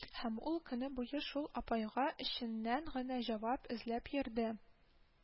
Һәм ул көне буе шул апайга эченнән генә җавап эзләп йөрде